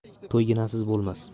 to'y ginasiz bo'lmas